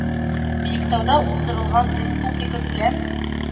Биектауда уздырылган республикакүләм